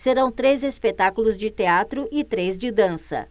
serão três espetáculos de teatro e três de dança